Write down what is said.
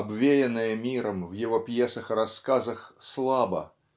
обвеянное миром в его пьесах и рассказах слабо